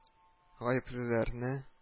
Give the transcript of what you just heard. Гаеплеләрне